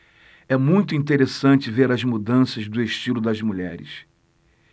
é muito interessante ver as mudanças do estilo das mulheres